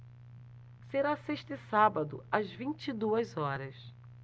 será sexta e sábado às vinte e duas horas